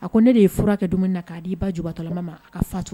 A ko ne de ye fura kɛ dumuni na k'a d'i ba jubatɔlama ma a ka fatu